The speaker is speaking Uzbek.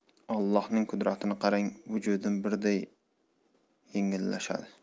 ollohning qudratini qarang vujudim birdan yengillashdi